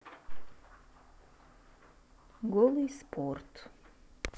голый спорт